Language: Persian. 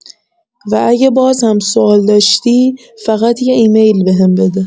و اگه باز هم سوال داشتی، فقط یه ایمیل بهم بده.